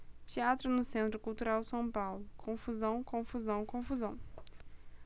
teatro no centro cultural são paulo confusão confusão confusão